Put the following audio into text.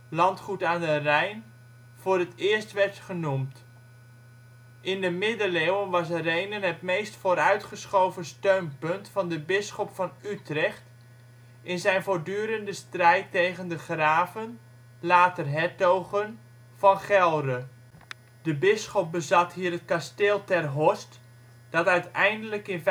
Landgoed aan de Rijn) voor het eerst werd genoemd. In de Middeleeuwen was Rhenen het meest vooruitgeschoven steunpunt van de bisschop van Utrecht in zijn voortdurende strijd tegen de graven, later hertogen, van Gelre. De bisschop bezat hier het kasteel Ter Horst, dat uiteindelijk in